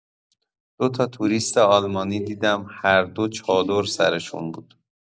دو تا توریست آلمانی دیدم هر دو چادر سرشون بود!